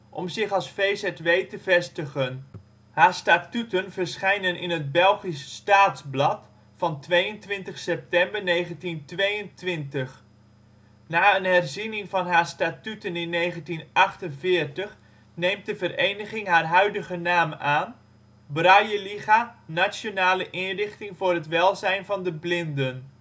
om zich als vzw te vestigen. Haar statuten verschijnen in het Belgisch Staatsblad van 22 september 1922. Na een herziening van haar statuten in 1948 neemt de vereniging haar huidige naam aan: Brailleliga - Nationale inrichting voor het welzijn van de blinden